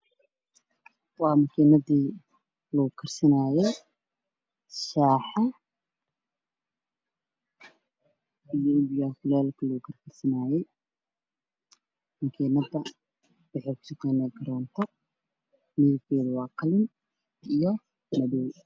Waa makiinadii lagu karsanaayay shaaxa iyo biyaha kulaylka ah lagu karkarsanaayay makiinada waxay ku shaqaynee koronto midabkeeda waa qalin iyo madow